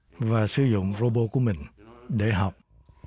và sử dụng rô bô của mình để học